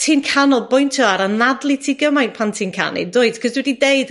ti'n canolbwyntio ar anadlu ti gymaint pan ti'n canu dwyt? 'C'os dwi 'di deud